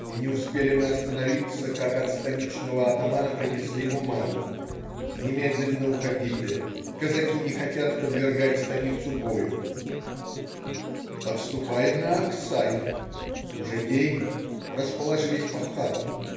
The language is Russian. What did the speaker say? И не успели мы остановиться, как от станичного атамана принесли бумагу: немедленно уходите, казаки не хотят подвергать станицу бою. Отступаем на Аксай. Уже день. Расположились по хатам.